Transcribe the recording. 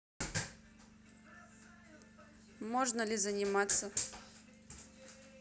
можно ли заниматься